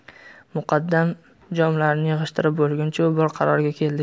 muqaddam jomlarini yig'ishtirib bo'lguncha u bir qarorga keldi yu